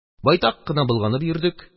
Байтак кына болганып йөрдек.